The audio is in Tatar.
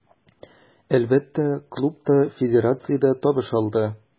Әлбәттә, клуб та, федерация дә табыш алды.